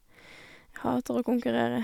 Jeg hater å konkurrere.